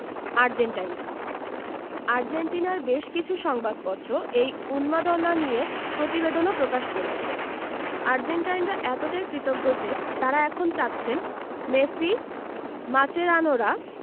আর্জেন্টাইনরা আর্জেন্টিনার বেশ কিছু সংবাদপত্র এই উন্মাদনা নিয়ে প্রতিবেদনও প্রকাশ করেছে আর্জেন্টাইনরা এতটাই কৃতজ্ঞ যে তাঁরা এখন চাচ্ছেন মেসি মাচেরানোরা